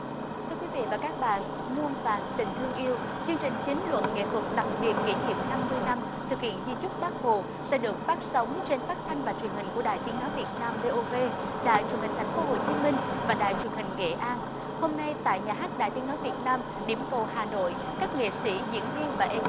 thưa quý vị và các bạn muôn vàn tình thương yêu chương trình chính luận nghệ thuật đặc biệt kỷ niệm năm mươi năm thực hiện di chúc bác hồ sẽ được phát sóng trên phát thanh và truyền hình của đài tiếng nói việt nam vê ô vê đài truyền hình thành phố hồ chí minh và đài truyền hình nghệ an hôm nay tại nhà hát đài tiếng nói việt nam điểm cầu hà nội các nghệ sĩ diễn viên và ê kíp